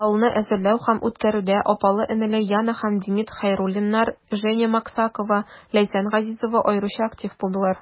Балны әзерләү һәм үткәрүдә апалы-энеле Яна һәм Демид Хәйруллиннар, Женя Максакова, Ләйсән Газизова аеруча актив булдылар.